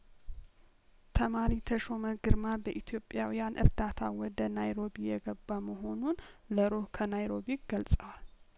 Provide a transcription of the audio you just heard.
ተማሪ ተሾመ ግርማ በኢትዮጵያ ውያን እርዳታ ወደ ናይሮቢ የገባ መሆኑን ለሩህ ከናይሮቢ ገልጸዋል